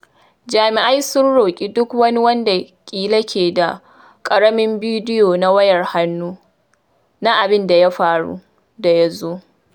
Jami’ai sun roƙi duk wani wanda ƙila ke da ƙaramin bidiyo na wayar hannu na abin da ya faru da ya zo.